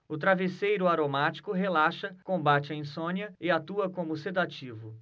o travesseiro aromático relaxa combate a insônia e atua como sedativo